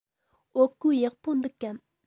བོད གོས ཡག པོ འདུག གམ